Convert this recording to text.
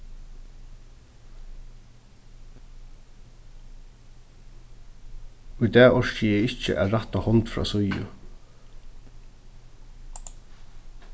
í dag orki eg ikki at rætta hond frá síðu